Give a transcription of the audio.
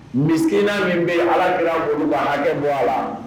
Misiina min bɛ alaki boloba hakɛ bɔ a la